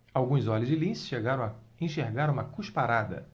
alguns olhos de lince chegaram a enxergar uma cusparada